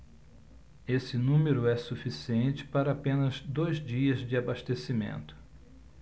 esse número é suficiente para apenas dois dias de abastecimento